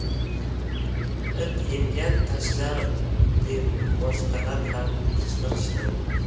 it emgan tashla deb boshqalar ham qichqirishdi